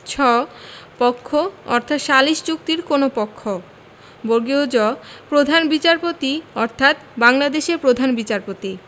ছ পক্ষ অর্থ সালিস চুক্তির কোন পক্ষ জ প্রধান বিচারপতি অর্থাৎ বাংলাদেশের প্রধান বিচারপতি